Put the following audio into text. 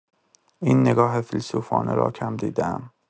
این نگاه فیلسوفانه را کم دیده‌ام.